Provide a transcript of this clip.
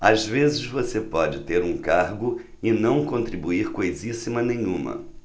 às vezes você pode ter um cargo e não contribuir coisíssima nenhuma